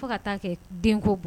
Fɔ ka taa kɛ denko bo